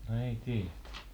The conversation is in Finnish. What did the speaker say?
no ei tiedetä